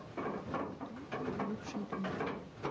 кто твой лучший друг